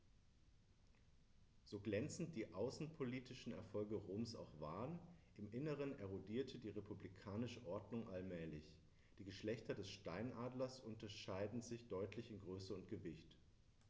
So glänzend die außenpolitischen Erfolge Roms auch waren: Im Inneren erodierte die republikanische Ordnung allmählich. Die Geschlechter des Steinadlers unterscheiden sich deutlich in Größe und Gewicht.